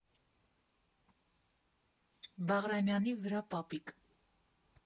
Բաղրամյանի վրա, պապիկ.